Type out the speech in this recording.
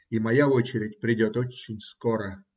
И моя очередь придет очень скоро.